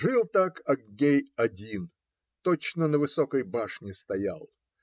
Жил так Аггей один, точно на высокой башне стоял.